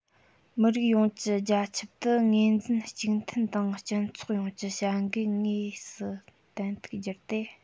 མི རིགས ཡོངས ཀྱི རྒྱ ཁྱབ ཏུ ངོས འཛིན གཅིག མཐུན དང སྤྱི ཚོགས ཡོངས ཀྱི བྱ འགུལ དངོས སུ ཏན ཏིག བསྒྱུར ཏེ